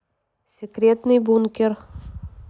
секретный бункер